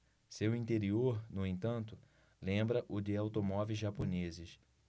seu interior no entanto lembra o de automóveis japoneses